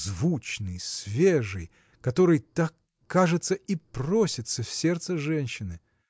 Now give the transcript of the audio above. звучный, свежий, который так, кажется, и просится в сердце женщины.